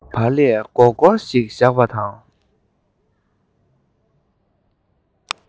སྒོར སྒོར ཞིག བཞག པ དང